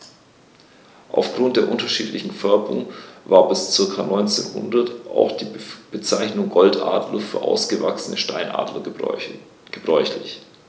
Auf Grund der unterschiedlichen Färbung war bis ca. 1900 auch die Bezeichnung Goldadler für ausgewachsene Steinadler gebräuchlich.